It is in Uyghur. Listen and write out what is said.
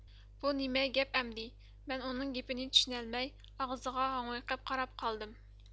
بۇ نېمە گەپ ئەمدى مەن ئۇنىڭ گېپىنى چۈشىنەلمەي ئاغزىغا ھاڭۋېقىپ قاراپ قالدىم